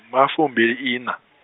ma fumbi ina.